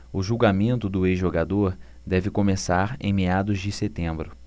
o julgamento do ex-jogador deve começar em meados de setembro